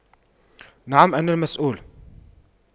نعم أنا المسؤول